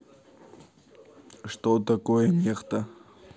что такое нехта